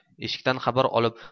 eshikdan xabar olib